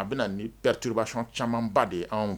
A bɛna ni bereturubasɔn camanba de an